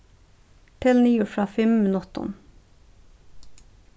tel niður frá fimm minuttum